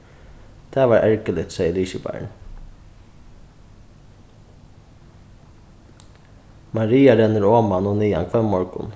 tað var ergiligt segði liðskiparin maria rennur oman og niðan hvønn morgun